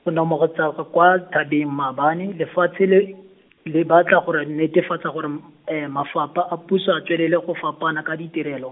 go namogatsaga kwa thabeng maabane lefatshe le, le batla gore netefatsa gore m- mafapha a puso a tswelele go fapaana ka ditirelo.